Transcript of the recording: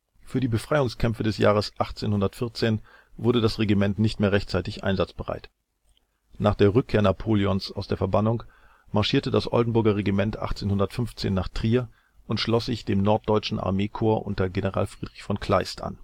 Für die Befreiungskämpfe des Jahres 1814 wurde das Regiment nicht mehr rechtzeitig einsatzbereit. Nach der Rückkehr Napoleons aus der Verbannung marschierte das Oldenburger Regiment 1815 nach Trier und schloss sich dem Norddeutschen Armeekorps unter General Friedrich von Kleist an